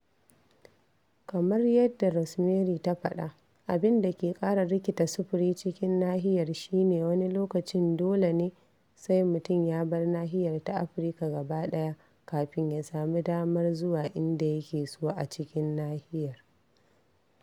Kamar yadda Rosemary ta faɗa, abin da ke ƙara rikita sufuri cikin nahiyar shi ne wani lokacin dole ne sai mutum ya bar nahiyar ta Afirka gaba ɗaya kafin ya sami damar zuwa inda ya ke so a cikin nahiyar.